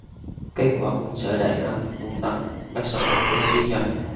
kết quả quân sở đại thắng quân tấn bắt sống tướng trí doanh